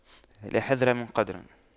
لا حذر من قدر